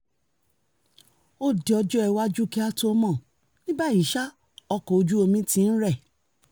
Ó di ọjọ́ iwájú kí á tó mọ̀. Ní báyìí ṣá, ọkọ̀ ojú omi ti ń ré.